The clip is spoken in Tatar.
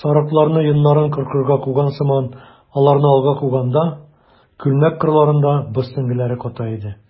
Сарыкларны йоннарын кыркырга куган сыман аларны алга куганда, күлмәк кырларында боз сөңгеләре ката иде.